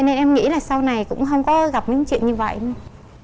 cho nên em nghĩ là sau này cũng không có gặp những chuyện như vậy